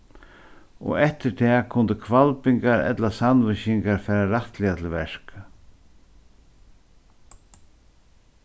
og eftir tað kundu hvalbingar ella sandvíkingar fara rættiliga til verka